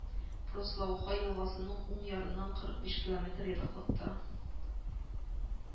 Прослауха елгасының уң ярыннан кырык биш километр ераклыкта